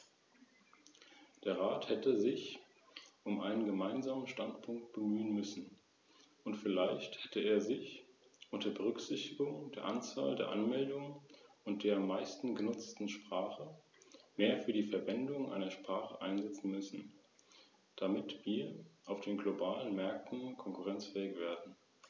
Frau Präsidentin, ich befürworte den größten Teil der Änderungen, die in diesem Text vorgeschlagen werden, der im Grunde sowieso nur darin besteht, bisherige Vorschriften über die Höchstwerte an Radioaktivität in Nahrungsmitteln und Futtermitteln zu kodifizieren.